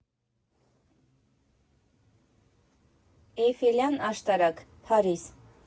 Էյֆելյան աշտարակ, Փարիզ։